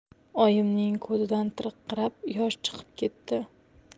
oyimning ko'zidan tirqirab yosh chiqib ketdi